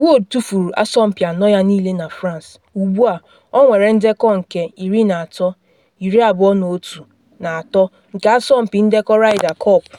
Wood tufuru asọmpi anọ ya niile na France, ugbu a ọ nwere ndekọ nke 13-21-3 nke asọmpi ndekọ Ryder Cup.